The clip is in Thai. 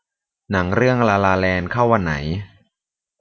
หนังเรื่องลาลาแลนด์เข้าวันไหน